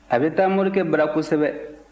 a bɛ taa morikɛ bara kosɛbɛ